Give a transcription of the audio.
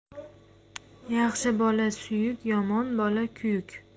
yaxshi bola suyuk yomon bola kuyuk